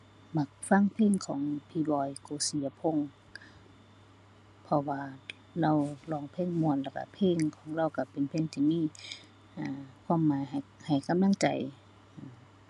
มักฟังเพลงของพี่บอย โกสิยพงษ์ เพราะว่าเลาร้องเพลงม่วนแล้วก็เพลงของเลาก็เป็นเพลงที่มี อ่า ความหมายให้ ให้กำลังใจ อือ